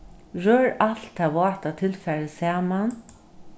rør alt tað váta tilfarið saman